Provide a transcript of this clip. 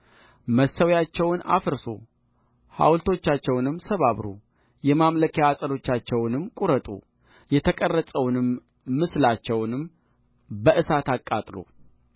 መሠዊያቸውን አፍርሱ ሐውልቶቻቸውንም ሰባብሩ የማምለኪያ ዐፀዶቻቸውንም ቍረጡ የተቀረጸውን ምስላቸውንም በእሳት አቃጥሉ